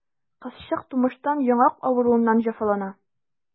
Кызчык тумыштан яңак авыруыннан җәфалана.